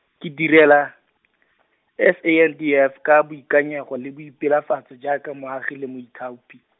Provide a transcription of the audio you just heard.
ke direla , S A N D F ka boikanyego le boipelafatso jaaka moagi le moithaopi.